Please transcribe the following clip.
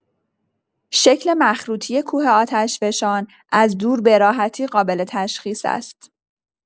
شکل مخروطی کوه آتشفشان از دور به راحتی قابل‌تشخیص است.